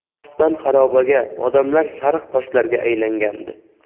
shahriston xarobaga odamlar sariq toshlarga aylangandi